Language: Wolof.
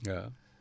waaw